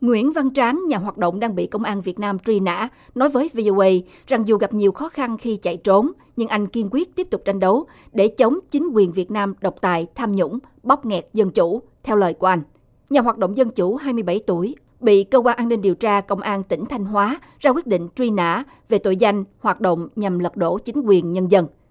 nguyễn văn tráng nhà hoạt động đang bị công an việt nam truy nã nói với vi ô ây rằng dù gặp nhiều khó khăn khi chạy trốn nhưng anh kiên quyết tiếp tục tranh đấu để chống chính quyền việt nam độc tài tham nhũng bóp nghẹt dân chủ theo lời của anh nhà hoạt động dân chủ hai mươi bảy tuổi bị cơ quan an ninh điều tra công an tỉnh thanh hóa ra quyết định truy nã về tội danh hoạt động nhằm lật đổ chính quyền nhân dân